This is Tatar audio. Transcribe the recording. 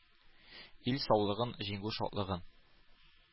Ил саулыгын, җиңү шатлыгын.